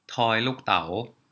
ทอยลูกเต๋า